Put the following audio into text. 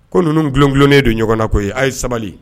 Ko ninnu dulondulonnen don ɲɔgɔnna koyi a' ye sabali